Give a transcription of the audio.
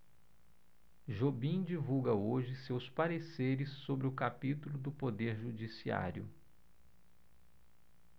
jobim divulga hoje seus pareceres sobre o capítulo do poder judiciário